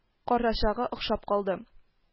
Карачагы охшап калды